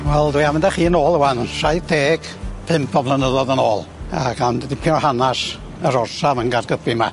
Wel dwi am fynd â chi nôl ŵan saith deg pump o flynyddodd yn ôl ac am dipyn o hanas yr orsaf yn Gaergybi 'ma.